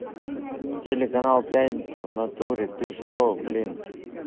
телеканал пятница в натуре ты что блядь